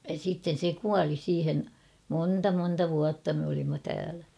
ja sitten se kuoli siihen monta monta vuotta me olimme täällä